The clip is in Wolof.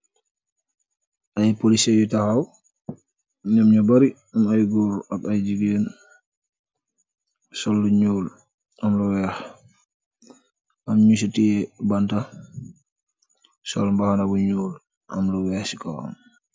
Ay polisie yu taxaw. Ñiom ñu bari am ay goor ak ay jigeen. Sol lu ñuul, am lu weex, am ñu ci tiye banta, sol mbahana bu ñuul, am lu weex ci ko wam